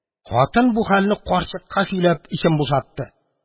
Хатын бу хәлне карчыкка сөйләп эчен бушатты.